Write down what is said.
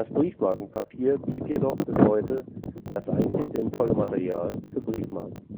Briefmarkenpapier blieb jedoch bis heute das einzig sinnvolle Material für Briefmarken